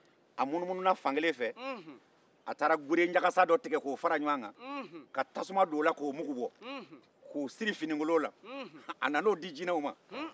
a munumununa fan kelen fe k'a taa gere ɲakasa tigɛ ko jeni tasuma na k'o mugu bɔ ka n'o di jinɛw ma